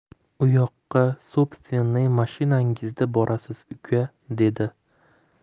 u yoqqa sobstvenniy mashinangizda borasiz uka dedi